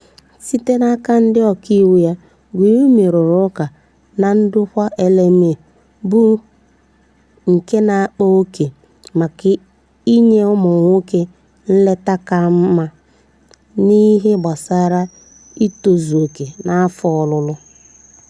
Site n'aka ndị ọkaiwu ya, Gyumi rụrụ ụka na ndokwa LMA bụ nke na-akpa oke maka inye ụmụ nwoke nleta ka mma n'ihe gbasara itozu oke n'afọ ọlụlụ.